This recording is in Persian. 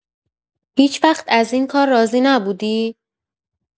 هیچ‌وقت از این کار راضی نبودی؟